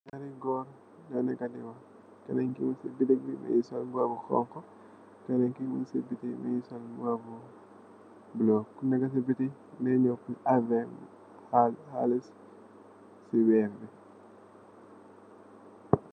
Njarri gorre njur neka dii wakh, kenen kii mung ci boutique bii mungy sol mbuba bu honhu, kenen kii mung cii biti mungy sol mbuba bu bleu, ku neka cii boutique bii mungeh njow pur ask len halis cii wehrre bii.